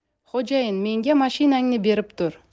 xo'jayin menga mashinangni berib tur